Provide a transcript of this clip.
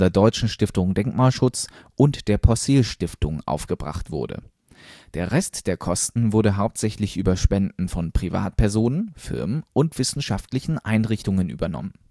Deutschen Stiftung Denkmalschutz und der Possehl-Stiftung aufgebracht wurde. Der Rest der Kosten wurde hauptsächlich über Spenden von Privatpersonen, Firmen und wissenschaftlichen Einrichtungen übernommen